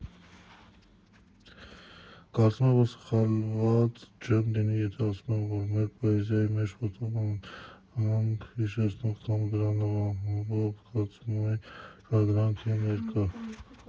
Կարծում եմ՝ սխալված չեմ լինի, եթե ասեմ, որ մեր պոեզիայի մեջ խոստովանանք հիշեցնող կամ դրան նմանվող զգացումի շարադրանքն է ներկա։